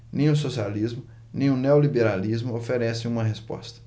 nem o socialismo nem o neoliberalismo oferecem uma resposta